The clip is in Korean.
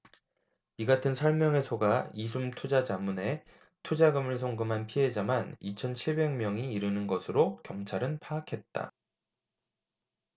이 같은 설명에 속아 이숨투자자문에 투자금을 송금한 피해자만 이천 칠백 명이 이르는 것으로 검찰은 파악했다